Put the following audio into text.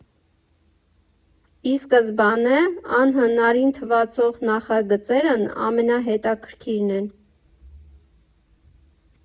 Ի սկզբանե անհնարին թվացող նախագծերն ամենահետաքրքիրն են։